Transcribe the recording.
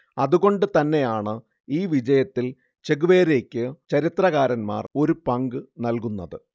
അതുകൊണ്ടുതന്നെയാണ് ഈ വിജയത്തിൽ ചെഗുവേരയ്ക്ക് ചരിത്രകാരന്മാർ ഒരു പങ്ക് നല്കുന്നത്